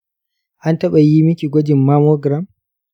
an taɓa yi miki gwajin mammogram?